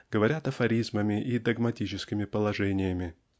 говорят афоризмами и догматическими положениями.